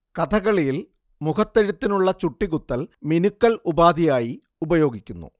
കഥകളിയിൽ മുഖത്തെഴുത്തിനുള്ള ചുട്ടികുത്തൽ മിനുക്കൽ ഉപാധിയായി ഉപയോഗിക്കുന്നു